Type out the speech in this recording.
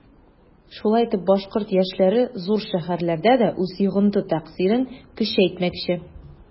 Шулай итеп башкорт яшьләре зур шәһәрләрдә дә үз йогынты-тәэсирен көчәйтмәкче.